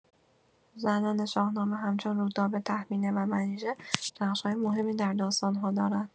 زنان شاهنامه همچون رودابه، تهمینه و منیژه نقش‌های مهمی در داستان‌ها دارند.